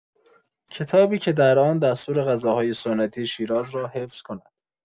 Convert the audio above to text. کتابی که در آن دستور غذاهای سنتی شیراز را حفظ کند.